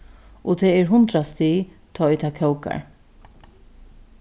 og tað er hundrað stig tá ið tað kókar